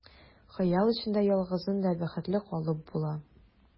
Хыял эчендә ялгызың да бәхетле калып була.